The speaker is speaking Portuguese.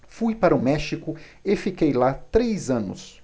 fui para o méxico e fiquei lá três anos